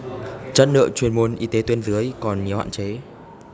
chất lượng chuyên môn y tế tuyến dưới còn nhiều hạn chế